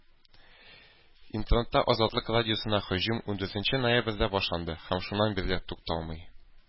Интернетта Азатлык радиосына һөҗүм ундүртенче ноябрьдә башланды һәм шуннан бирле тукталмый.